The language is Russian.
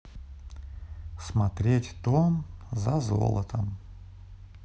смотреть том за золотом